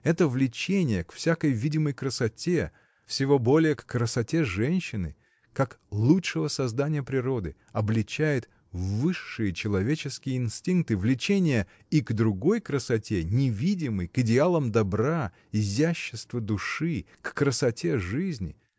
Это влечение к всякой видимой красоте, всего более к красоте женщины, как лучшего создания природы, обличает высшие человеческие инстинкты, влечение и к другой красоте, невидимой, к идеалам добра, изящества души, к красоте жизни!